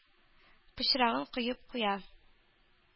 Пычрагын коеп куя.